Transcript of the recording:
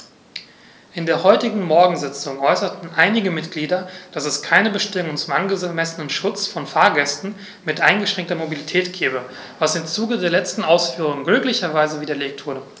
In der heutigen Morgensitzung äußerten einige Mitglieder, dass es keine Bestimmung zum angemessenen Schutz von Fahrgästen mit eingeschränkter Mobilität gebe, was im Zuge der letzten Ausführungen glücklicherweise widerlegt wurde.